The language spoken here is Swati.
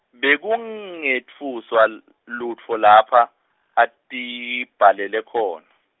Bekangetfuswa l- lutfo lapha, atibhalele khona.